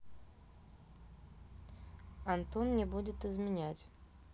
антон мне будет изменять